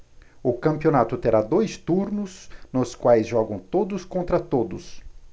o campeonato terá dois turnos nos quais jogam todos contra todos